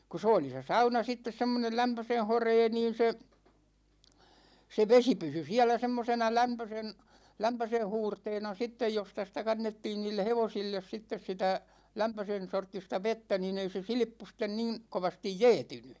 kun se oli se sauna sitten semmoinen lämpöisen horea niin se se vesi pysyi siellä semmoisena lämpöisen lämpöisen huurteena sitten josta sitä kannettiin niille hevosille sitten sitä lämpöisen sorttista vettä niin ei se silppu sitten niin kovasti jäätynyt